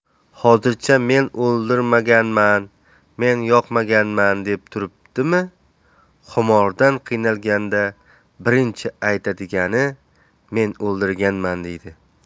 hozircha men o'ldirmaganman men yoqmaganman deb turibdimi xumordan qiynalganda birinchi aytadigani men o'ldirganman deydi